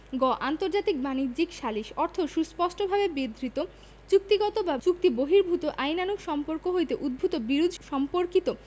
গ আন্তর্জাতিক বাণিজ্যিক সালিস অর্থ সুস্পষ্টভাবে বিধৃত চুক্তিগত বা চুক্তিবহির্ভুত আইনানুগ সম্পর্ক হইতে উদ্ভুত বিরোধ সম্পর্কিত